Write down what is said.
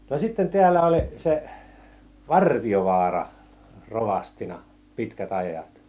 no sitten täällä oli se Vartiovaara rovastina pitkät ajat